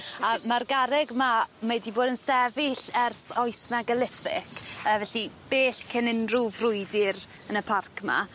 A ma'r garreg 'ma mae 'di bod yn sefyll ers oes megalithic yy felly bell cyn unryw frwydyr yn y parc 'ma.